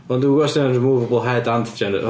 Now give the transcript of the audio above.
Wel dwi'm yn gwbod os 'di hynna'n removable head and genital...